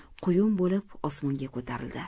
quyun bo'lib osmonga ko'tarildi